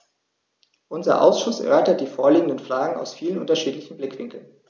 Unser Ausschuss erörtert die vorliegenden Fragen aus vielen unterschiedlichen Blickwinkeln.